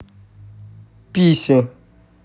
пися